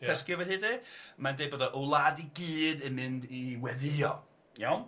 cysgu efo hi de mae'n deud bod y wlad i gyd yn mynd i weddïo, iawn?